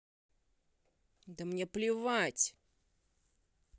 да мне плевать